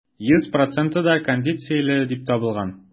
Йөз проценты да кондицияле дип табылган.